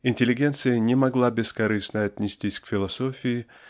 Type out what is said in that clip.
Интеллигенция не могла бескорыстно отнестись к философии